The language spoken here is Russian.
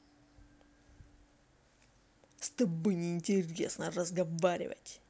с тобой не интересно разговаривать